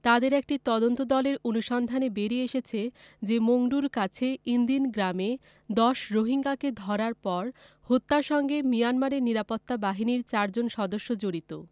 তাদের একটি তদন্তদলের অনুসন্ধানে বেরিয়ে এসেছে যে মংডুর কাছে ইনদিন গ্রামে ১০ রোহিঙ্গাকে ধরার পর হত্যার সঙ্গে মিয়ানমারের নিরাপত্তা বাহিনীর চারজন সদস্য জড়িত